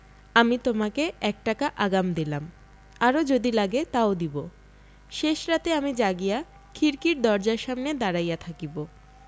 আমি তোমাকে এক টাকা আগাম দিলাম আরও যদি লাগে তাও দিব শেষ রাতে আমি জাগিয়া খিড়কির দরজার সামনে দাঁড়াইয়া থাকিব